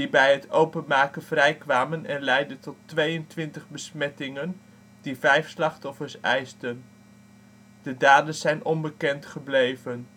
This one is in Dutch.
bij het openmaken vrij kwamen en leidden tot 22 besmettingen die 5 slachtoffers eisten. De daders zijn onbekend gebleven